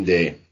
Yndi.